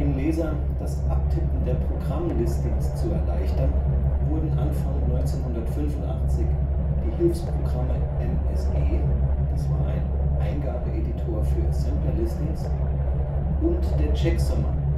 Leser das Abtippen der Programmlistings zu erleichtern, wurden Anfang 1985 die Hilfsprogramme MSE (Eingabeeditor für Assembler-Listings) und Checksummer